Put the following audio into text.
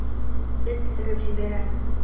Эт өреп җибәрә.